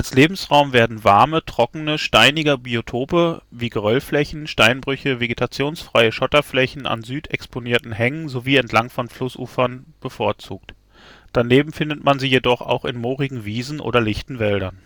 Lebensraum werden warme, trockene steinige Biotope, wie Geröllflächen, Steinbrüche, vegetationsfreie Schotterflächen an südexponierten Hängen sowie entlang von Flussufern bevorzugt. Daneben findet man sie jedoch auch in moorigen Wiesen oder lichten Wäldern